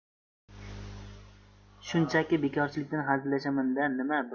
shunchaki bekorchilikdan hazillashamanda nima